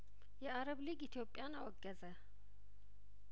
የአረብ ሊግ ኢትዮጵያን አወገዘ